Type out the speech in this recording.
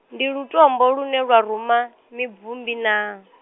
ndi lutombo lune lwa ruma mibvumbi naa?